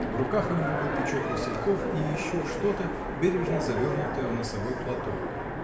В руках у него был пучок васильков и еще что-то бережно завернутое в носовой платок.